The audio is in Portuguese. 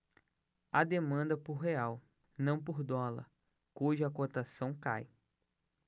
há demanda por real não por dólar cuja cotação cai